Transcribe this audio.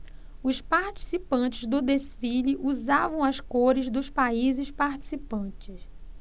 os participantes do desfile usavam as cores dos países participantes